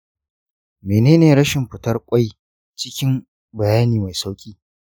menene rashin fitar ƙwai cikin bayani mai sauƙi?